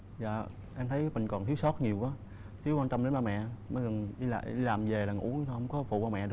dạ em thấy mình còn thiếu sót nhiều quá thiếu quan tâm đến ba mẹ mới lại làm về là ngủ không có phụ ba mẹ được